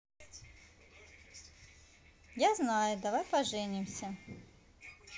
я знаю давай поженимся